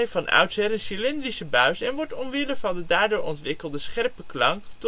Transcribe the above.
oudsher een cilindrische buis en wordt omwille van de daardoor ontwikkelde scherpe klank